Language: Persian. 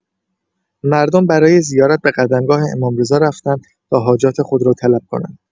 مردم برای زیارت به قدمگاه امام‌رضا رفتند تا حاجات خود را طلب کنند.